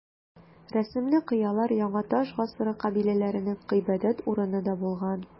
Рәсемле кыялар яңа таш гасыры кабиләләренең гыйбадәт урыны да булган.